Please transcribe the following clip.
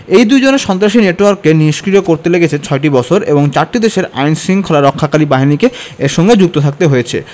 এই দুজনের সন্ত্রাসী নেটওয়ার্ককে নিষ্ক্রিয় করতে লেগেছে ছয়টি বছর এবং চারটি দেশের আইনশৃঙ্খলা রক্ষাকারী বাহিনীকে এর সঙ্গে যুক্ত থাকতে হয়েছে